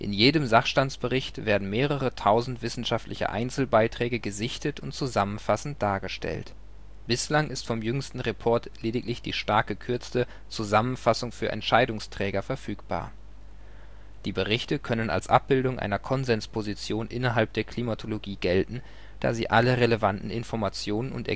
jedem Sachstandsbericht werden mehrere tausend wissenschaftliche Einzelbeiträge gesichtet und zusammenfassend dargestellt. Bislang ist vom jüngsten Report lediglich die stark gekürzte Zusammenfassung für Entscheidungsträger verfügbar. Die Berichte können als Abbildung einer Konsensposition innerhalb der Klimatologie gelten, da sie alle relevanten Informationen und